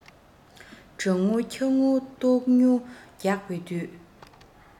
གྲང ངུ འཁྱག ངུ ལྟོགས ངུ རྒྱག པའི དུས